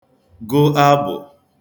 gụ abụ̀